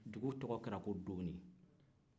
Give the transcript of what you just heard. dugu tɔgɔ kɛra ko dooni